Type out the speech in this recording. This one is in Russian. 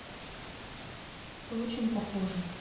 ты очень похожа